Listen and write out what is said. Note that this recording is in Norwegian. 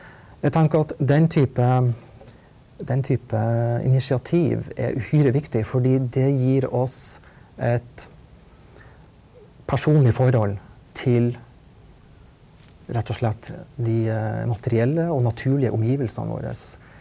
jeg tenker at den type den type initiativ er uhyre viktig fordi det gir oss et personlig forhold til rett og slett de materielle og naturlige omgivelsene våre,